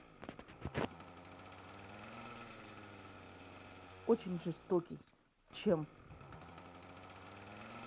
очень жестокий чем